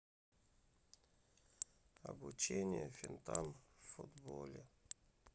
обучение финтам в футболе